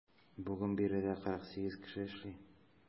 Бүген биредә 48 кеше эшли.